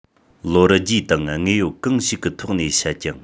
ལོ རྒྱུས དང དངོས ཡོད གང ཞིག གི ཐོག ནས བཤད ཀྱང